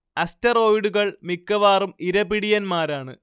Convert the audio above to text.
അസ്റ്ററോയ്ഡുകൾ മിക്കവാറും ഇരപിടിയന്മാരാണ്